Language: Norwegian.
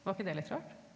var ikke det litt rart?